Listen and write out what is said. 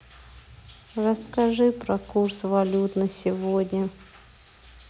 расскажи про курс валют на сегодня